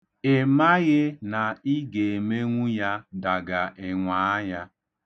Ị maghị na ị ga-emenwu ya daga ị nwaa ya.